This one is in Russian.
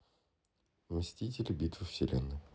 мстители битва вселенной